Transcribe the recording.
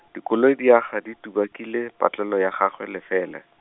dikoloi di aga di tubakile patlelo ya gagwe lefele.